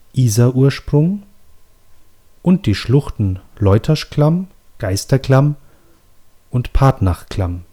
Isarursprung die Schluchten Leutaschklamm („ Geisterklamm “) und Partnachklamm